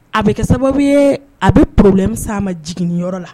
A bɛ kɛ sababu ye a bɛ plɛ ma jigin niyɔrɔ la